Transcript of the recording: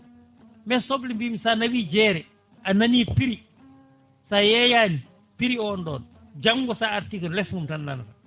mais soble mbimi sa nawi jeere a nani prix sa yeeyani prix on ɗon janggo sa arti ko less mum tan nanata